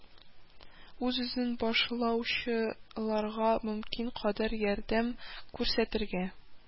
Үз эшен башлаучыларга мөмкин кадәр ярдәм күрсәтергә